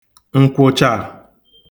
ǹkwụ̀chà